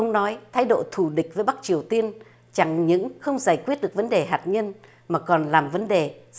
ông nói thái độ thù địch với bắc triều tiên chẳng những không giải quyết được vấn đề hạt nhân mà còn là vấn đề